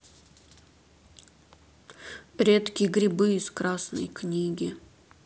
редкие грибы из красной книги